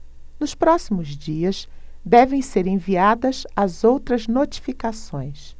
nos próximos dias devem ser enviadas as outras notificações